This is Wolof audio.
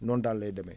noonu daal lay demee